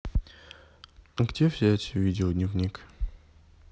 где взять видеодневник